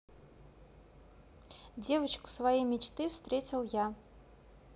девочку своей мечты встретил я